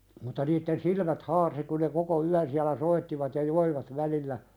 mutta niiden silmät harsi kun ne koko yön siellä soittivat ja joivat välillä